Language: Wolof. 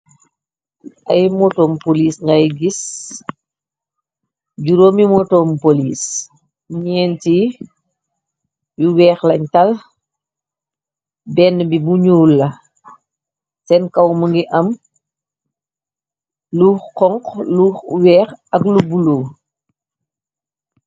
Ay motom police ngay gis juróomi motom police neenti yu weex len tal benn bi bu ñuul la seen kaw mongi am lu xonxu lu weex ak lu bulu.